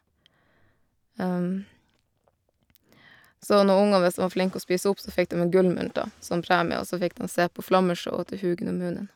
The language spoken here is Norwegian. Så noen unger, hvis dem var flink å spise opp så fikk dem en gullmynt, da, som premie, og så fikk dem se på flammeshowet til Hugin og Munin.